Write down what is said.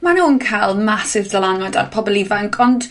Ma' nw'n ca'l massive dylanwad ar ar pobol ifanc, ond